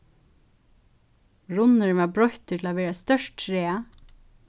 runnurin var broyttur til at vera eitt stórt træ